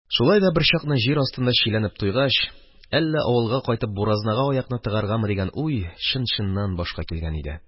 Шулай да берчакны, җир астында йөреп туйгач, әллә авылга кайтып буразнага аякны тыгаргамы дигән уй чын-чыннан башка килгән иде.